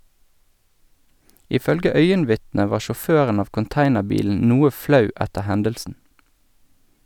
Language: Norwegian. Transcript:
Ifølge øyenvitnet var sjåføren av containerbilen noe flau etter hendelsen.